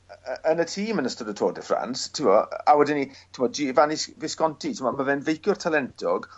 yy yy yn y tîm yn ystod y Tour de Frnace t'mo' yy a wedyn 'ny t'mod Giovanni S- Visconti t'mo' ma' fe'n feiciwr talentog